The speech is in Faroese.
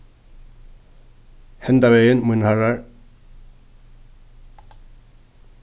henda vegin mínir harrar